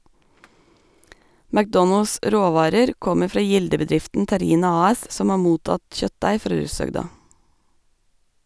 McDonalds råvarer kommer fra Gilde-bedriften Terina AS som har mottatt kjøttdeig fra Rudshøgda.